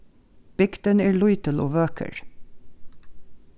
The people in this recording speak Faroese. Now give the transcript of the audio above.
bygdin er lítil og vøkur